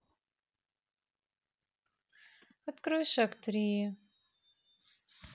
открой шаг три